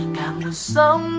cảm được sống